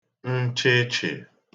nchịchị̀